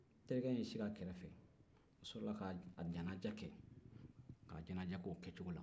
terikɛ in ye i sigi kɛrɛfɛ o sɔrɔ la k'a jɛnajɛ kɛ k'a jɛnajɛ kɛ o kɛcogo la